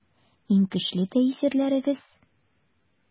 Иң көчле тәэсирләрегез?